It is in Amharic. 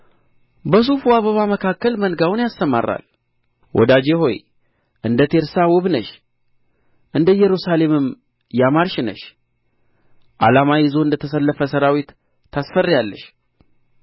በሱፉ አበባ መካከል መንጋውን ያሰማራል ወዳጄ ሆይ እንደ ቴርሳ ውብ ነሽ እንደ ኢየሩሳሌምም ያማርሽ ነሽ ዓላማ ይዞ እንደ ተሰለፈ ሠራዊት ታስፈሪያለሽ